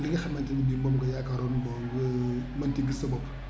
li nga xamante ne bii moom nga yaakaaroon moom nga mën ci gis sa bopp